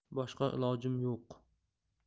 boshqa ilojim yo'q